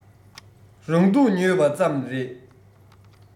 རང སྡུག ཉོས པ ཙམ རེད